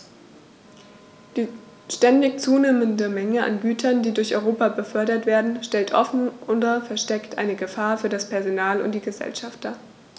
Die ständig zunehmende Menge an Gütern, die durch Europa befördert werden, stellt offen oder versteckt eine Gefahr für das Personal und die Gesellschaft dar.